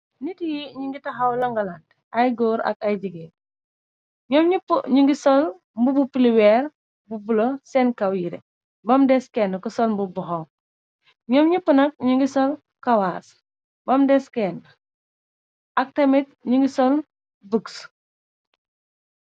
Nit yi ñu ngi taxaw longaland te ay góor ak ay jige ñoom ñu ngi sol mbu bu pliweer bu bulo seen kaw yire bam des kenn ko solmbu buxaw ñoom ñupp nag ñu ngi sol kawaas bam des kenn ak tamit ñu ngi sol boosk.